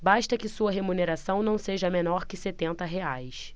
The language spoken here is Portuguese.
basta que sua remuneração não seja menor que setenta reais